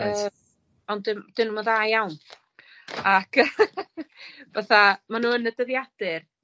Yy, ond 'dyn, 'dyn nw'm yn dda iawn. Ac yy Fatha, ma' nw yn y dyddiadur.